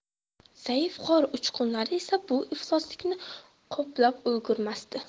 zaif qor uchqunlari esa bu ifloslikni qoplab ulgurmasdi